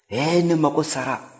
ee ne mago sara